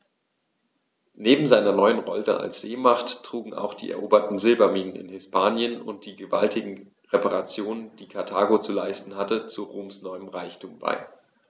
Neben seiner neuen Rolle als Seemacht trugen auch die eroberten Silberminen in Hispanien und die gewaltigen Reparationen, die Karthago zu leisten hatte, zu Roms neuem Reichtum bei.